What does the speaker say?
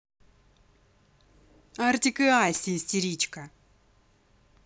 artik и asti истеричка